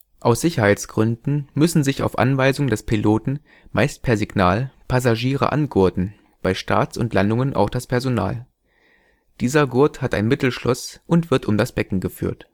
Aus Sicherheitsgründen müssen sich auf Anweisung des Piloten, meist per Signal, Passagiere angurten, bei Starts und Landungen auch das Personal. Dieser Gurt hat ein Mittelschloss und wird um das Becken geführt